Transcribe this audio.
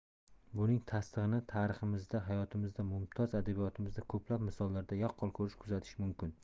buning tasdig'ini tariximizda hayotimizda mumtoz adabiyotimizda ko'plab misollarda yaqqol ko'rish kuzatish mumkin